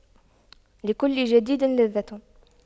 لكل جديد لذة